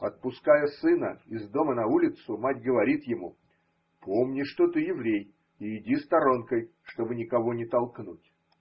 Отпуская сына из дому на улицу, мать говорит ему: – Помни, что ты еврей, и иди сторонкой, чтобы никого не толкнуть.